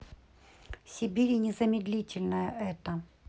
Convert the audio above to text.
сибири незамедлительное это